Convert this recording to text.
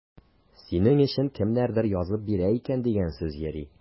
Синең өчен кемнәрдер язып бирә икән дигән сүз йөри.